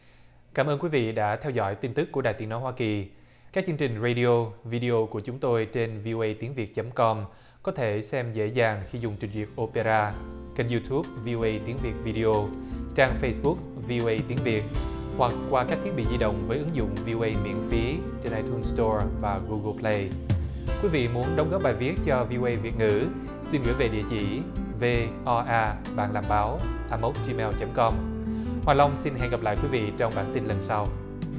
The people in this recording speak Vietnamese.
cảm ơn quý vị đã theo dõi tin tức của đài tiếng nói hoa kỳ các chương trình rây đi ô vi đi ô của chúng tôi trên vi ô ây tiếng việt chấm com có thể xem dễ dàng khi dùng trình duyệt ô pê ra kênh diu túp vi ô ây tiếng việt vi đi ô trang phây sờ búc vi ô ây tiếng việt hoặc qua các thiết bị di động với ứng dụng vi ô ây miễn phí trên ai tun sờ to và gu gồ phờ lây quý vị muốn đóng góp bài viết cho vi ô ây việt ngữ xin gửi về địa chỉ vê o a bạn làm báo a mốc tri meo chấm com hòa long xin hẹn gặp lại quý vị trong bản tin lần sau